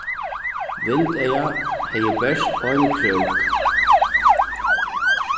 vindeygað hevði bert ein krók